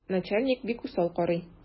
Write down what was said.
Начальник бик усал карый.